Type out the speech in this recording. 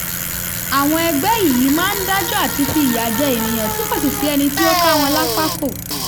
Àwọn ẹgbẹ́ yìí máa ń dájọ́ àti fi ìyà jẹ ènìyàn tí kò sì sí ẹni tí ó ká wọn lápá kò.